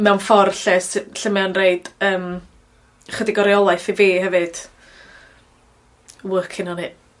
Mewn ffordd lle sy- lle mae o'n roid yym ychydig o reolaeth i fi hefyd. Working on it.